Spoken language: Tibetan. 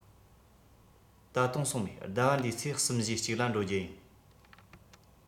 ད དུང སོང མེད ཟླ བ འདིའི ཚེས གསུམ བཞིའི གཅིག ལ འགྲོ རྒྱུུ ཡིན